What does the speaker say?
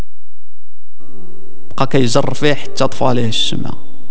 اكيز رفيحي اطفال شمال